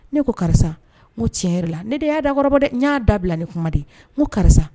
Ne ko karisa, o tiɲɛ yɛrɛ la ne de y'a da kɔrɔbɔdɛ, n y'a da bila ni kuma de ye, n' ko karisa.